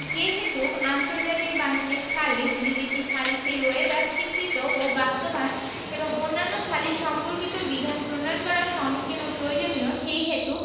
যেইহেতু আন্তর্জাতিক বাণিজ্যিক সালিস বিদেশী সালিসী রোয়েদাদ স্বীকৃত ও বাস্তবায়ন এবং অন্যান্য সালিস সম্পর্কিত বিধান প্রণয়ন করা সমীচীন ও প্রয়োজনীয় সেইহেতু